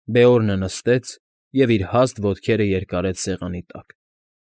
Բեորնը նստեց և իր հաստ ոտքերը երկարեց սեղանի տակ։